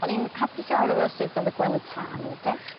O'n i'n hapus iawn efo sud o'dd y gwely tân yn edrach.